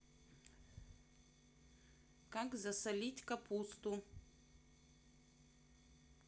как засолить капусту